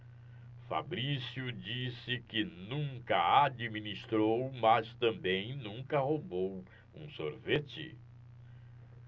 fabrício disse que nunca administrou mas também nunca roubou um sorvete